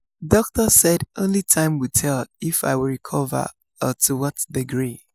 Doctors said only time will tell if I will recover or to what degree.